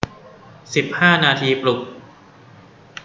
สิบห้านาทีปลุก